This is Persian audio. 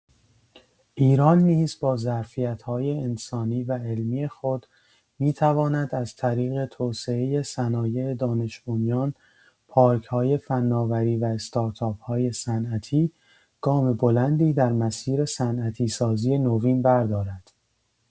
ایران نیز با ظرفیت‌های انسانی و علمی خود می‌تواند از طریق توسعۀ صنایع دانش‌بنیان، پارک‌های فناوری و استارتاپ‌های صنعتی، گام بلندی در مسیر صنعتی‌سازی نوین بردارد.